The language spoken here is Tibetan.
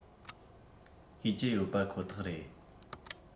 ཤེས ཀྱི ཡོད པ ཁོ ཐག རེད